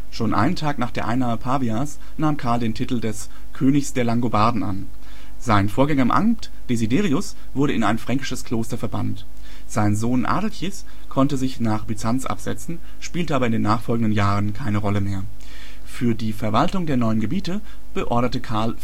Schon einen Tag nach der Einnahme Pavias nahm Karl den Titel des „ Königs der Langobarden “an. Sein Vorgänger im Amt, Desiderius, wurde in ein fränkisches Kloster verbannt. Sein Sohn Adelchis konnte sich nach Byzanz absetzen, spielte aber in den nachfolgenden Jahren keine Rolle mehr. Für die Verwaltung der neuen Gebiete beorderte Karl